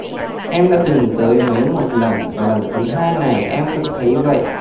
em đã từng tới huế một lần và lần thứ hai này em cũng thấy vậy